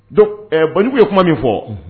Donc ɛɛ banjugu ye kuma min fɔ